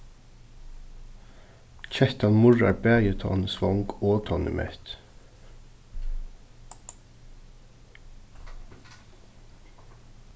kettan murrar bæði tá hon er svong og tá hon er mett